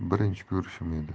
birinchi ko'rishim edi